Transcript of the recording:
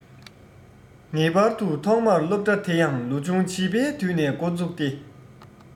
ངེས པར དུ ཐོག མར སློབ གྲྭའི དེ ཡང ལོ ཆུང བྱིས པའི དུས ནས འགོ བཙུགས ཏེ